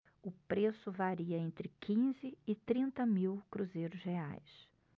o preço varia entre quinze e trinta mil cruzeiros reais